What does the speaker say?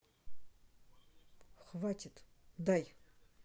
хватит дай